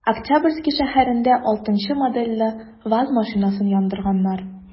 Октябрьский шәһәрендә 6 нчы модельле ваз машинасын яндырганнар.